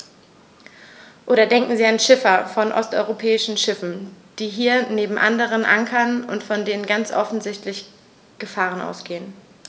Oder denken Sie an Schiffer von osteuropäischen Schiffen, die hier neben anderen ankern und von denen ganz offensichtlich Gefahren ausgehen.